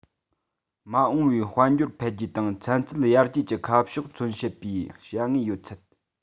མ འོངས པའི དཔལ འབྱོར འཕེལ རྒྱས དང ཚན རྩལ ཡར རྒྱས ཀྱི ཁ ཕྱོགས ཀྱི མཚོན བྱེད ཡིན པའི བྱ དངོས ཡོད ཚད